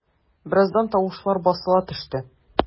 Бераздан тавышлар басыла төште.